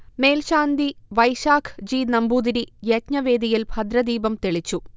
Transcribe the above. മേൽശാന്തി വൈശാഖ് ജി. നമ്പൂതിരി യജ്ഞവേദിയിൽ ഭദ്രദീപം തെളിച്ചു